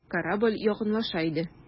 Корабль якынлаша иде.